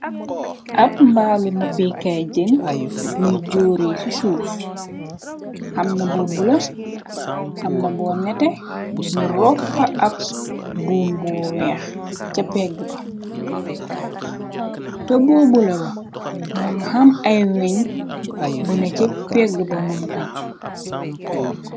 Ab mbaalu napikaay jën buy jóore ci suuf amna boo nete nu roffa ab buumboo weex ca pegg ba ca boo bula ba moo nga xam ay weñ buna ca pegg ba moom tam.